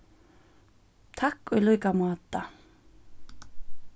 takk í líka máta